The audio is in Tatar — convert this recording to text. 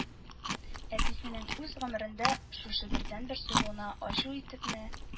Әтисенең үз гомерендә шушы бердәнбер сугуына ачу итепме